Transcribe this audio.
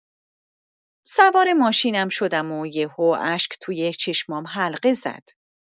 سوار ماشینم شدم و یه‌هو اشک توی چشم‌هام حلقه زد.